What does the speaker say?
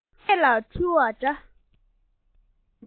ངུ སྐད ལ འཁྲུལ བ འདྲ